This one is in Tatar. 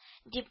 — дип